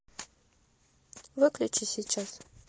выключи сейчас